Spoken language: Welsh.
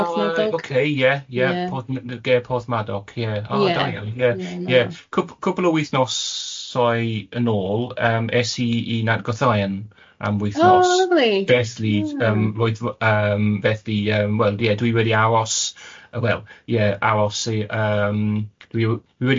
O yy ocê ie ie Porth- ger Porthmadog ie, oh da iawn, ie, ie, cwpl o wythnos-au yn nol yy es i i Nant bythau am am wythnos... Oh lyfli. dead neat. ...yym roedd yym felly yym dwi wedi aros yym ie, wel, aros i yym, dwi wedi